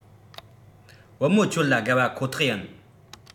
བུ མོ ཁྱོད ལ དགའ བ ཁོ ཐག ཡིན